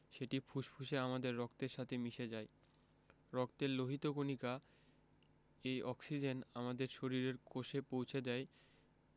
সেটি ফুসফুসে আমাদের রক্তের সাথে মিশে যায় রক্তের লোহিত কণিকা এই অক্সিজেন আমাদের শরীরের কোষে পৌছে দেয়